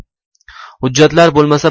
hujjatlar bo'lmasa